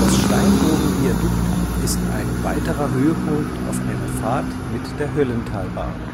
Steinbogenviadukt ist ein weiterer Höhepunkt auf einer Fahrt mit der Höllentalbahn